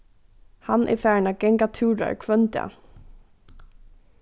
hann er farin at ganga túrar hvønn dag